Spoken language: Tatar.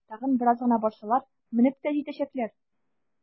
Тагын бераз гына барсалар, менеп тә җитәчәкләр!